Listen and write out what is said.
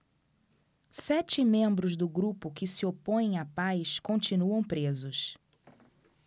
sete membros do grupo que se opõe à paz continuam presos